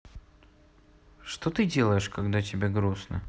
что ты делаешь когда тебе грустно